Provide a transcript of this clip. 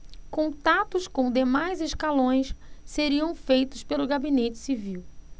contatos com demais escalões seriam feitos pelo gabinete civil